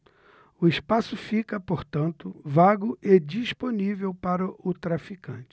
o espaço fica portanto vago e disponível para o traficante